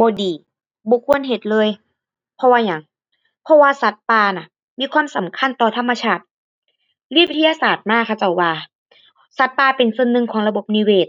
บ่ดี บ่ควรเฮ็ดเลย เพราะว่าหยัง เพราะว่าสัตว์ป่าน่ะมีความสำคัญต่อธรรมชาติ เรียนวิทยาศาสตร์มา เขาเจ้าว่าสัตว์ป่าเป็นส่วนหนึ่งของระบบนิเวศ